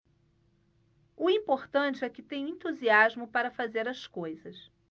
o importante é que tenho entusiasmo para fazer as coisas